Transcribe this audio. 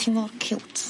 Ti mor ciwt.